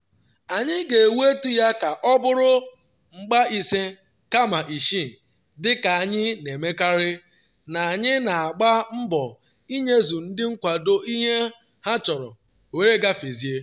Anyị ga-ewetu ya ka ọ bụrụ mgba ise kama isii - dịka anyị na-emekarị - na anyị na-agba mbọ inyezu ndị nkwado ihe ha chọrọ were gafezie.